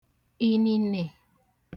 ìnìnè